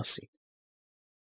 Մասին։